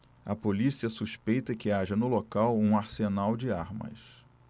a polícia suspeita que haja no local um arsenal de armas